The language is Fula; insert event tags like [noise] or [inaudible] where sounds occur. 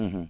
[hesitation] [hesitation]